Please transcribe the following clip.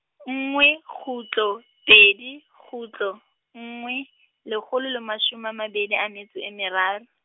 nngwe kgutlo, pedi kgutlo, nngwe, lekgolo le mashome a mabedi a metso e meraro.